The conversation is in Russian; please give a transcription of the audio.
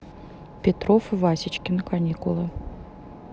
петров и васечкин каникулы